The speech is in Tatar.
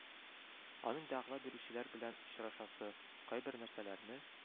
Аның дәгъва бирүчеләр белән очрашасы, кайбер нәрсәләрне